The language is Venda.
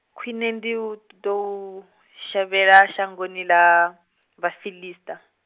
khwine ndi u tou, shavheḽa shangoni ḽa, Vhafiḽista.